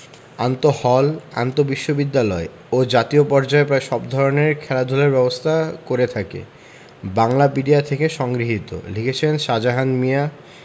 আন্তঃহল আন্তঃবিশ্ববিদ্যালয় ও জাতীয় পর্যায়ে প্রায় সব ধরনের খেলাধুলার ব্যবস্থা করে থাকে বাংলাপিডিয়া থেকে সংগৃহীত লিখেছেনঃ সাজাহান মিয়া